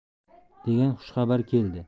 degan xushxabar keldi